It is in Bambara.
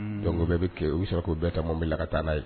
Dɔn bɛɛ bɛ kɛ u sera k'o bɛɛ ta n bɛ la ka taa n'a ye